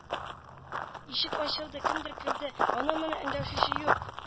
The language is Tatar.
Ишек ачылды кемдер керде аны-моны эндәшүче юк